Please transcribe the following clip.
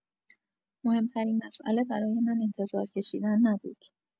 مهم‌ترین مساله برای من انتظار کشیدن نبود.